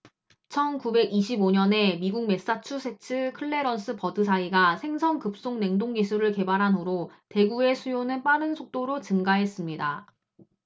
천 구백 이십 오 년에 미국 매사추세츠의 클래런스 버드사이가 생선 급속 냉동 기술을 개발한 후로 대구의 수요는 빠른 속도로 증가했습니다